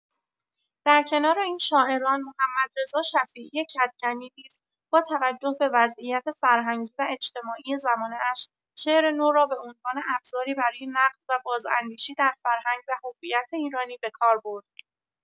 در کنار این شاعران، محمدرضا شفیعی کدکنی نیز با توجه به وضعیت فرهنگی و اجتماعی زمانه‌اش، شعر نو را به‌عنوان ابزاری برای نقد و بازاندیشی در فرهنگ و هویت ایرانی به‌کار برد.